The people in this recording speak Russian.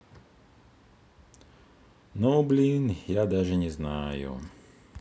ну блин я даже не знаю